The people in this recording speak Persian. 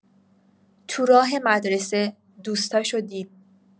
تو راه مدرسه، دوستاشو دید.